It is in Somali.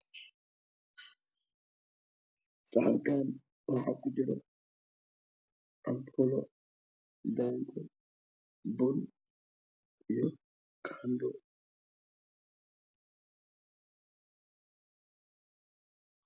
Saxankaan waxaa ku jira canbuulo daango bun iyo qaado.